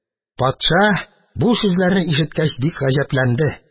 Патша, бу сүзләрне ишеткәч, бик гаҗәпләнде.